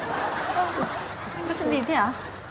ơ có chuyện gì thế ạ